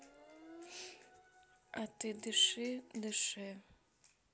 а ты дыши дыши